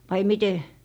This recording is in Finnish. vai miten